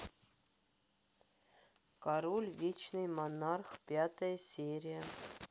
король вечный монарх пятая серия